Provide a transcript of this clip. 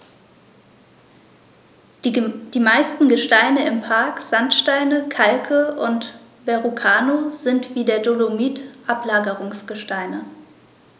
Die meisten Gesteine im Park – Sandsteine, Kalke und Verrucano – sind wie der Dolomit Ablagerungsgesteine.